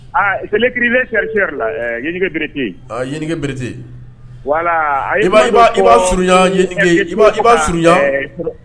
Ah c'est l'écrivain chercheur là ɛ ɲininge berete, ah ɲininge berete voilà i b'a surunya I b'a surunya